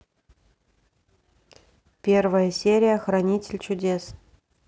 первая серия хранитель чудес